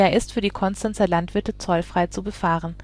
ist für die Konstanzer Landwirte zollfrei zu befahren